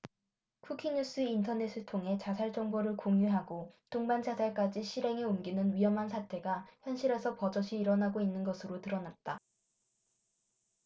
쿠키뉴스 인터넷을 통해 자살 정보를 공유하고 동반자살까지 실행에 옮기는 위험한 사태가 현실에서 버젓이 일어나고 있는 것으로 드러났다